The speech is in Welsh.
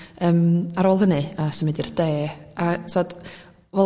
yym ar ôl hynny a symud i'r de a t'od